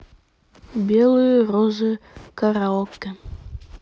белые розы караоке